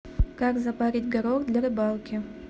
как запарить горох для рыбалки